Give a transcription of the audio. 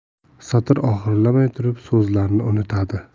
satr oxirlamay turib so'zlarni unutadi